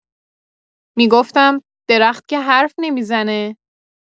می‌گفتم: «درخت که حرف نمی‌زنه!»